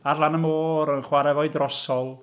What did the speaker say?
Ar lan y môr, yn chwarae 'fo'i drosol.